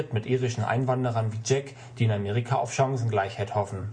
mit irischen Einwanderern wie Jack, die in Amerika auf Chancengleichheit hoffen